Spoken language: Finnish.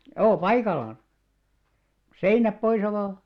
joo paikallaan seinät poissa vain